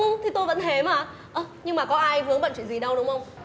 ừ thì thôi vẫn thế mà ơ nhưng mà có ai vướng bận chuyện gì đâu đúng không